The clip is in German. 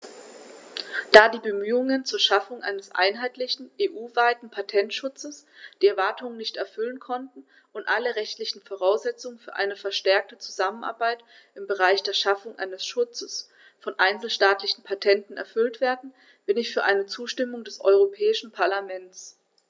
Da die Bemühungen zur Schaffung eines einheitlichen, EU-weiten Patentschutzes die Erwartungen nicht erfüllen konnten und alle rechtlichen Voraussetzungen für eine verstärkte Zusammenarbeit im Bereich der Schaffung eines Schutzes von einzelstaatlichen Patenten erfüllt werden, bin ich für eine Zustimmung des Europäischen Parlaments.